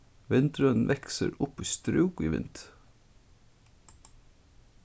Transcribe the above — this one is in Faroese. vindurin veksur upp í strúk í vindi